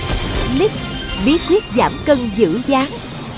ních bí quyết giảm cân giữ dáng